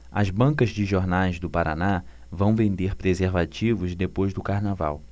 as bancas de jornais do paraná vão vender preservativos depois do carnaval